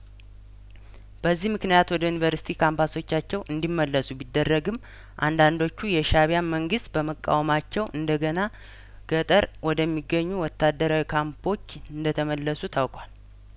በዚህ ምክንያት ወደ ዩንቨርስቲ ካምፓሶቻቸው እንዲመለሱ ቢደረግም አንዳንዶቹ የሻእቢያን መንግስት በመቃወማቸው እንደገና ገጠር ወደሚገኙ ወታደራዊ ካምፖች እንደተመለሱ ታውቋል